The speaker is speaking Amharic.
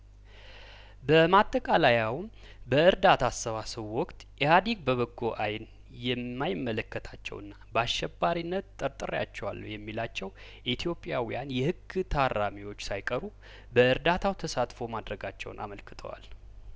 በማጠቃለያውም በእርዳታ አሰባሰቡ ወቅት ኢህአዲግ በበጐ አይን የማይመለከታቸውና በአሸባሪነት ጠርጥሬያቸዋለሁ የሚላቸው ኢትዮጵያውያን የህግ ታራሚዎች ሳይቀሩ በእርዳታው ተሳትፎ ማድረጋቸውን አመልክተዋል